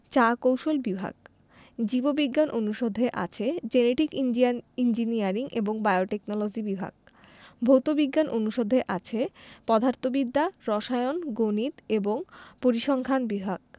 চা কৌশল বিভাগ জীব বিজ্ঞান অনুষদে আছে জেনেটিক ইঞ্জিয়ান ইঞ্জিনিয়ারিং এবং বায়োটেকনলজি বিভাগ ভৌত বিজ্ঞান অনুষদে আছে পদার্থবিদ্যা রসায়ন গণিত এবং পরিসংখ্যান বিভাগ